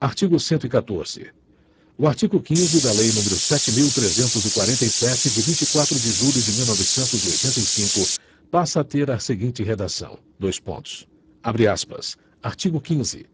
artigo cento e quatorze o artigo quinze da lei número sete mil trezentos e quarenta e sete de vinte e quatro de julho de mil novecentos e oitenta e cinco passa a ter a seguinte redação dois pontos abre aspas artigo quinze